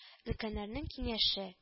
Өлкәннәрнең киңәше